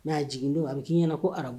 Mais a jigin don a bɛ k'i ɲɛna ko ara